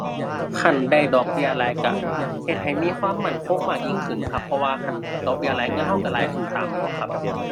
คันได้ดอกเบี้ยหลายก็เฮ็ดให้มีความมั่นคงมากยิ่งขึ้นครับ เพราะว่าคันดอกเบี้ยหลายเงินก็ก็หลายขึ้นตามแม่นบ่ครับ